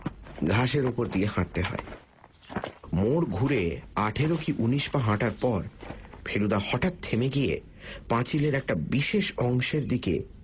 ঘাসের উপর দিয়ে হাঁটতে হয় মোড় ঘুরে আঠারো কি উনিশ পা হাঁটার পর ফেলুদা হঠাৎ থেমে গিয়ে পাঁচিলের একটা বিশেষ অংশের দিকে